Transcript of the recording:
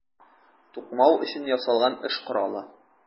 Тукмау өчен ясалган эш коралы.